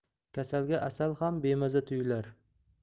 kasalga asal ham bemaza tuyular